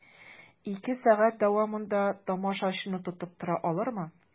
Ике сәгать дәвамында тамашачыны тотып тора алырмы?